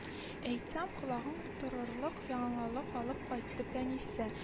— әйтсәм, колагың торырлык яңалык алып кайттым, әнисе